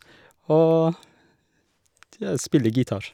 Og, tja, spille gitar.